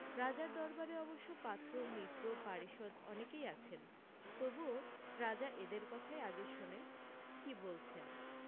রাজার দরবারে অবশ্য পাত্র মিত্র পারিষদ অনেকই আছেন তবুও রাজা এদের কথাই আগে শোনে কী বলছেন